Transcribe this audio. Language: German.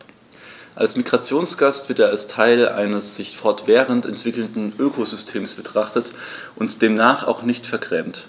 Als Migrationsgast wird er als Teil eines sich fortwährend entwickelnden Ökosystems betrachtet und demnach auch nicht vergrämt.